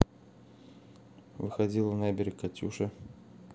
выходила на берег катюша